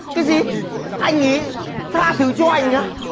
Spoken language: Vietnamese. cái gì anh ý tha thứ cho anh á